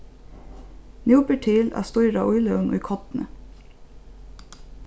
nú ber til at stýra ílegum í korni